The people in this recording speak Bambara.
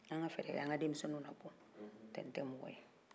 an ka fɛɛrɛ k'an ka denmisɛnw labɔ n'o tɛ nin tɛ mɔgɔ ye